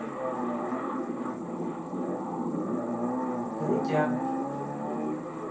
крутяк